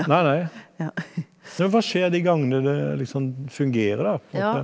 nei nei, men hva skjer de gangene det liksom fungerer da på en måte?